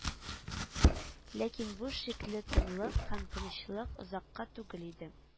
Ләкин бу шикле тынлык һәм тынычлык озакка түгел иде